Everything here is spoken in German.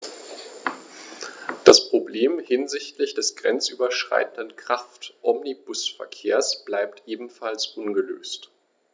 Das Problem hinsichtlich des grenzüberschreitenden Kraftomnibusverkehrs bleibt ebenfalls ungelöst.